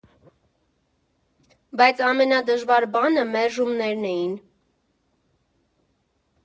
Բայց ամենադժվար բանը մերժումներն էին։